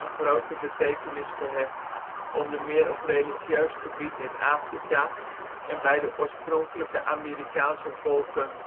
grote betekenis gehecht, onder meer op religieus gebied in Afrika en bij de oorspronkelijke Amerikaanse volken